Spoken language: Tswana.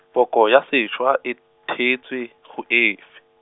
poko ya sešwa e theetswe, go efe?